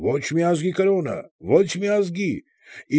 Ոչ մի ազգի կրոնը, ոչ մի ազգի։